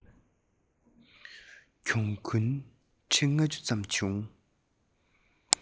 གྱོང གུན ཁྲི ལྔ བཅུ ཙམ བྱུང